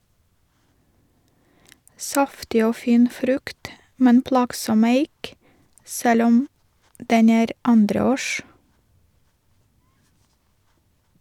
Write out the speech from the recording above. Saftig og fin frukt, men plagsom eik selv om den er andreårs.